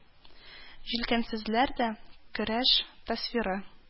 Җилкәнсезләр дә көрәш тасвиры